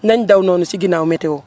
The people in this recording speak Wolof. nañ daw noonu si ginnaaw météo